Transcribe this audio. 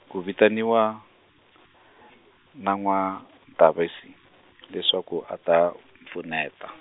ku vitaniwa , na N'wa-Ntavasi , leswaku, a ta, pfuneta.